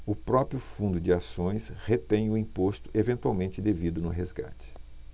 o próprio fundo de ações retém o imposto eventualmente devido no resgate